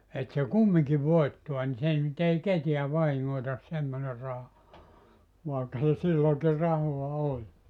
että se kumminkin voittaa niin se nyt ei ketään vahingoita semmoinen raha vaikka se silloinkin rahaa oli